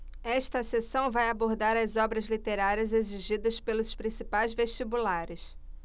esta seção vai abordar as obras literárias exigidas pelos principais vestibulares